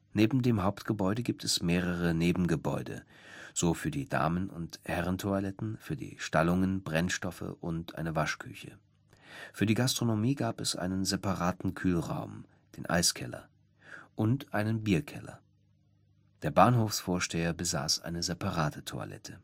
Neben dem Hauptgebäude gab es mehrere Nebengebäude, so für die Damen - und Herrentoiletten, für die Stallungen, Brennstoffe und eine Waschküche. Für die Gastronomie gab es einen separaten Kühlraum (Eiskeller) und einen Bierkeller. Der Bahnhofsvorsteher besaß eine separate Toilette